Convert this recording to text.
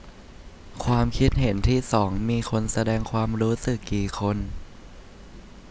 ความคิดเห็นที่สองมีคนแสดงความรู้สึกกี่คน